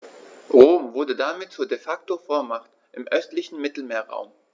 Rom wurde damit zur ‚De-Facto-Vormacht‘ im östlichen Mittelmeerraum.